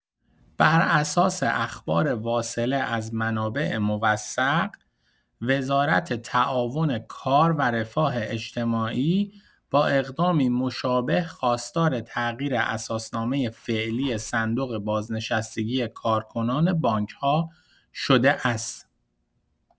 بر اساس اخبار واصله از منابع موثق، وزارت تعاون کار و رفاه اجتماعی با اقدامی مشابه خواستار تغییر اساسنامه فعلی صندوق بازنشستگی کارکنان بانک‌ها شده است.